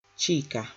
Chika